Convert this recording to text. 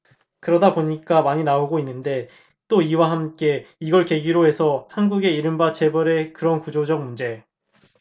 그러다 보니까 많이 나오고 있는데 또 이와 함께 이걸 계기로 해서 한국의 이른바 재벌의 그런 구조적 문제